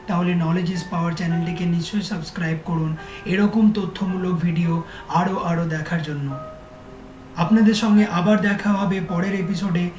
তাহলে knowledge is power চ্যানেলটিকে নিশ্চয়ই সাবস্ক্রাইব করুন এরকম তথ্যমূলক ভিডিও আরো আরো দেখার জন্য আপনাদের সঙ্গে আবার দেখা হবে পরের এপিসোডে